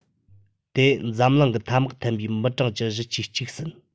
དེ འཛམ གླིང གི ཐ མག འཐེན པའི མི གྲངས ཀྱི བཞི ཆའི གཅིག ཟིན